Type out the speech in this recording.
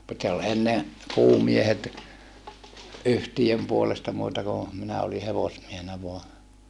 mutta se oli ennen kuumiehet yhtiön puolesta muuta kuin minä olin hevosmiehenä vain